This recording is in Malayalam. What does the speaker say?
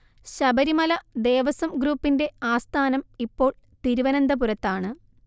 ശബരിമല ദേവസ്വം ഗ്രൂപ്പിന്റെ ആസ്ഥാനം ഇപ്പോൾ തിരുവനന്തപുരത്താണ്